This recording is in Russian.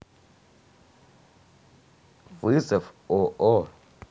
вызов оо